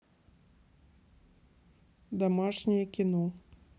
домашнее кино